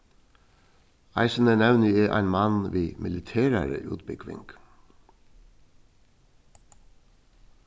eisini nevni eg ein mann við militerari útbúgving